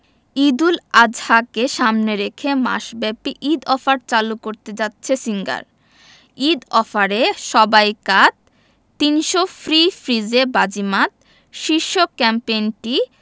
ঈদুল আজহাকে সামনে রেখে মাসব্যাপী ঈদ অফার চালু করতে যাচ্ছে সিঙ্গার ঈদ অফারে সবাই কাত ৩০০ ফ্রি ফ্রিজে বাজিমাত শীর্ষক ক্যাম্পেইনটি